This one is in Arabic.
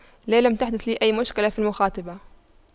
لا لم تحدث لي أي مشكلة في المخاطبة